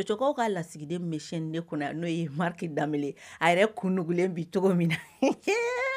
Cɛkaw ka lasigiden min bɛ chaine 2 n'o ye Mariki Danbele ye, a yɛrɛ kun nugulen bi cogo min na,